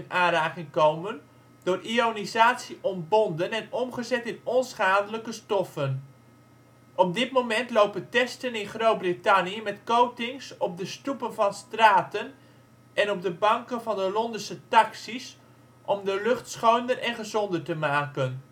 aanraking komen door ionisatie ontbonden en omgezet in onschadelijke stoffen. Op dit moment lopen testen in Groot-Brittannië met coatings op de stoepen van straten en op de banken van de Londense taxi 's om de lucht schoner en gezonder te maken